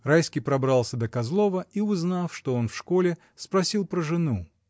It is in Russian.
Райский пробрался до Козлова и, узнав, что он в школе, спросил про жену.